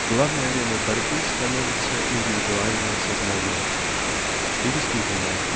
главной ареной борьбы становится индивидуальное сознание. И действительно